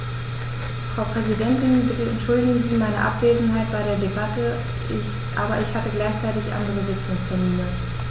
Frau Präsidentin, bitte entschuldigen Sie meine Abwesenheit bei der Debatte, aber ich hatte gleichzeitig andere Sitzungstermine.